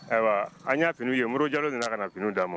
Ayiwaa an y'a fininw ye Modibo Diallo nana ka na finiw d'an ma